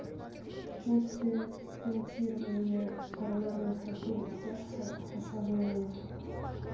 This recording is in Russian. после стентирования коронарных сосудов сердца осложнение